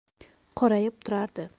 qorayib turardi